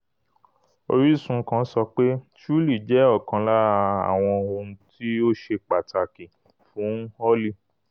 Orísun kan sọ pé: Truly jẹ ọkan lára àwòn ohun ti óṣe Pàtàkì fún Holly.